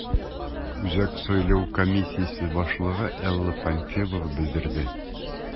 Үзәк сайлау комиссиясе башлыгы Элла Памфилова белдерде: